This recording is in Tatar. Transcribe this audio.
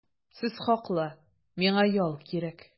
Сез хаклы, миңа ял кирәк.